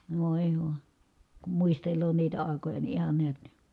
voi voi kun muistelee niitä aikoja niin ihan näet niin